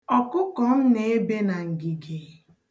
Ọkụkọ m na-ebe na ngige.